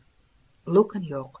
lukn yo'q